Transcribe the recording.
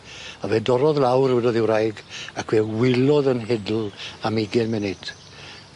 A fe dorrodd lawr wedodd 'i wraig ac fe wylodd yn hidl am ugen munud.